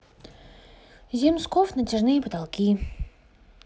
земсков натяжные потолки